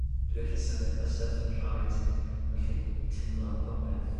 Dwi gallu symud bysedd fy nhraed w' allu timlo popeth.